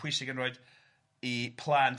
pwysig yn rhoid eu plant,